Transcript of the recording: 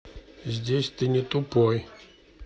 здесь ты не тупой